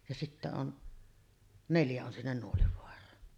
ja siitä on neljä on sinne Nuolivaaraan